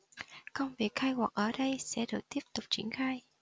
công việc khai quật ở đây sẽ được tiếp tục triển khai